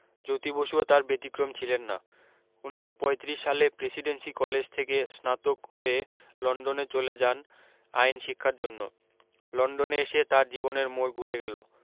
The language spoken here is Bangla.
জ্যোতি বসুও তার ব্যতিক্রম ছিলেন না উনিশশ পঁয়ত্রিশ সালে প্রেসিডেন্সি কলেজ থেকে স্নাতক হয়ে লন্ডন চলে যান আইন শিক্ষার জন্য লন্ডনে এসে তার জীবনের মোড় ঘুরে গেল